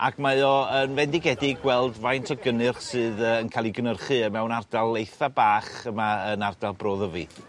ac mae o yn fendigedig gweld faint o gynnyrch sydd yy yn ca'l 'i gynyrchu yy mewn ardal eitha bach yma yn ardal Bro Ddyfi.